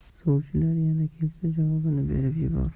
sovchilar yana kelsa javobini berib yubor